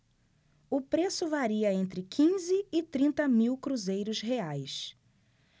o preço varia entre quinze e trinta mil cruzeiros reais